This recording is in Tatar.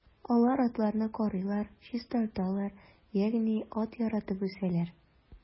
Алар атларны карыйлар, чистарталар, ягъни ат яратып үсәләр.